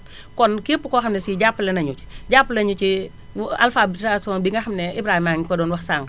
kon képp koo xam ne sii jàppale nañu jàppale ñu ci alphabétisation bi nga xam ne Ibrahima a ngi ko doon wax sànq